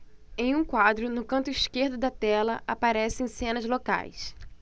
em um quadro no canto esquerdo da tela aparecem cenas locais